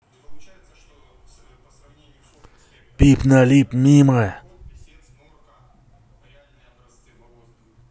пип налип мимо